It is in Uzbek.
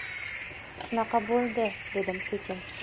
shunaqa bo'ldi dedim sekin